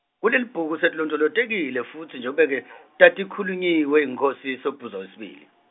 Kulelibhuku setilondvolotekile futsi njengobe , tatikhulunyiwe yinkhosi Sobhuza wesibili.